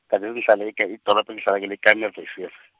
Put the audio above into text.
gadesi ngahlala ega- idorobha ngihlala kilo yi- Kameel Rivier.